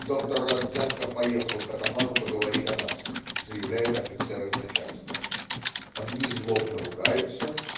Доктор Родзянко поехал к атаману поговорить о нас",- заявляет офицер из начальства. Одни злобно ругаются.